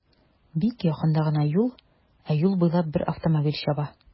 Бик якында гына юл, ә юл буйлап бер автомобиль чаба.